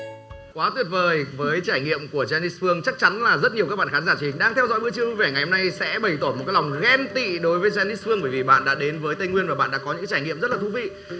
quá tuyệt vời với trải nghiệm của den nít phương chắc chắn là rất nhiều các bạn khán giả truyền hình đang theo dõi buổi trưa vui vẻ ngày hôm nay sẽ bày tỏ một cái lòng ghen tị đối với den nít phương bởi vì bạn đã đến với tây nguyên và bạn đã có những trải nghiệm rất là thú vị